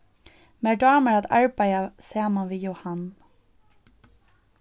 mær dámar at arbeiða saman við jóhan